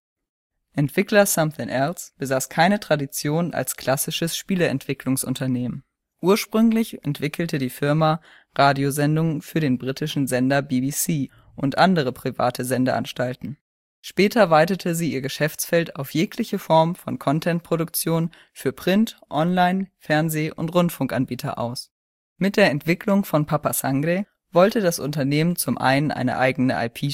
Entwickler Somethin’ Else besaß keine Tradition als klassisches Spieleentwicklungsunternehmen. Ursprünglich entwickelte die Firma Radiosendungen für den britischen Sender BBC und andere, private Sendeanstalten. Später weitete sie ihr Geschäftsfeld auf jegliche Form von Content-Produktion für Print -, Online -, Fernseh - und Rundfunkanbieter aus. Mit der Entwicklung von Papa Sangre wollte das Unternehmen zum einen eine eigene IP erschaffen